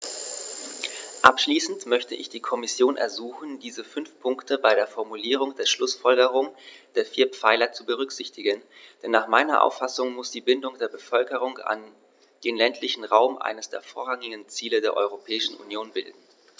Abschließend möchte ich die Kommission ersuchen, diese fünf Punkte bei der Formulierung der Schlußfolgerungen der vier Pfeiler zu berücksichtigen, denn nach meiner Auffassung muss die Bindung der Bevölkerung an den ländlichen Raum eines der vorrangigen Ziele der Europäischen Union bilden.